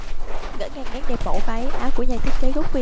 ngỡ ngàng nét đẹp mẫu váy áo của nhà thiết kế gốc việt